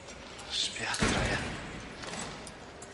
Sbia adra ia?